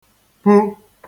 pu